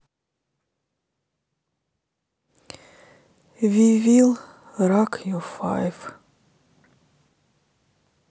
ви вил рак ю файв